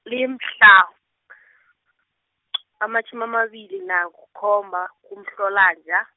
limhla , amatjhumi amabili nakukhomba, kuMhlolanja.